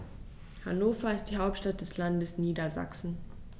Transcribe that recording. Hannover ist die Hauptstadt des Landes Niedersachsen.